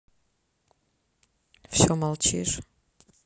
все молчишь